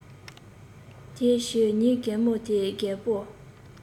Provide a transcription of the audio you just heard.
དེའི ཕྱི ཉིན རྒན མོ དེས རྒད པོ